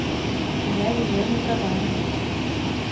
я ее не продам